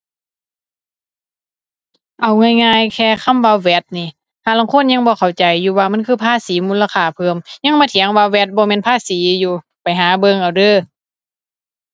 เอาง่ายง่ายแค่คำว่า VAT นี้ ห่าลางคนยังบ่เข้าใจอยู่ว่ามันคือภาษีมูลค่าเพิ่ม ยังมาเถียงว่า VAT บ่แม่นภาษีอยู่ ไปหาเบิ่งเอาเด้อ